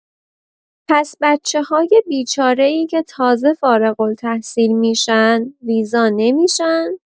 پس بچه‌های بیچاره‌ای که تازه فارغ‌التحصیل می‌شن ویزا نمی‌شن؟